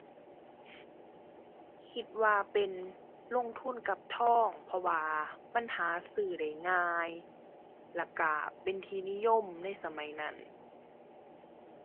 คิดว่าเป็นลงทุนกับทอง เพราะว่ามันหาซื้อได้ง่าย แล้วก็เป็นที่นิยมในสมัยนั้น